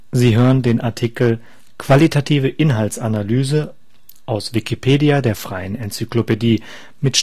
Sie hören den Artikel Qualitative Inhaltsanalyse, aus Wikipedia, der freien Enzyklopädie. Mit